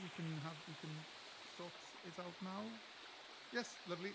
We can have... we can sort it out now. Yes, lovely,